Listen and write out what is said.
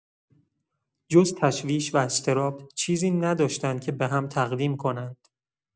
جز تشویش و اضطراب چیزی نداشتند که به‌هم تقدیم کنند.